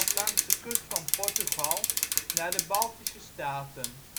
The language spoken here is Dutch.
langs de kust van Portugal naar de Baltische staten